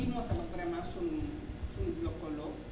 lii mooy sama vraiment sunu sunu jokkaloo